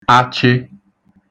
achị